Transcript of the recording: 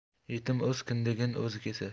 yetim o'z kindigin o'zi kesar